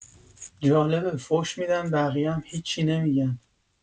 جالبه فحش می‌دن بقیه هم هیچی نمی‌گن